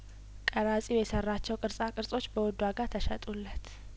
ቀራጺው የሰራቸው ቅርጻ ቅርጾች በውድ ዋጋ ተሸጡለት